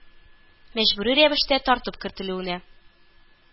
Мәҗбүри рәвештә тартып кертелүенә